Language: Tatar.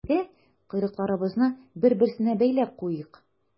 Әйдә, койрыкларыбызны бер-берсенә бәйләп куйыйк.